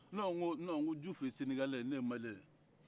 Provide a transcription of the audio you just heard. n ko ko nɔn jufu ye sɛnɛgalɛ ye ne maliɲɛ ye